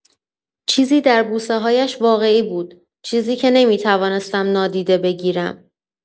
چیزی در بوسه‌هایش واقعی بود، چیزی که نمی‌توانستم نادیده بگیرم.